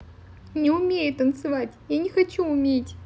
не умею танцевать я не хочу уметь